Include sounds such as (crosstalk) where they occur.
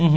(hesitation) (hesitation)